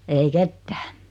ei ketään